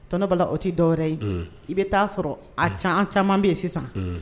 Tba o tɛ dɔwɛrɛ ye i bɛ taa sɔrɔ a caman caman bɛ yen sisan